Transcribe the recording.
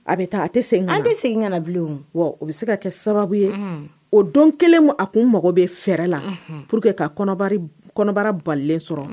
A bɛ taa a tɛ segin ale tɛ segin ka na bilen wa o bɛ se ka kɛ sababu ye o don kelen a kun mago bɛ fɛrɛɛrɛ la pour que ka kɔnɔbara balen sɔrɔ